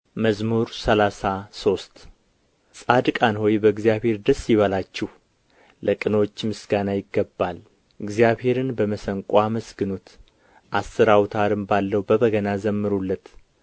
መዝሙር ሰላሳ ሶስት ጻድቃን ሆይ በእግዚአብሔር ደስ ይበላችሁ ለቅኖች ምስጋና ይገባል እግዚአብሔርን በመሰንቆ አመስግኑት አሥር አውታርም ባለው በበገና ዘምሩለት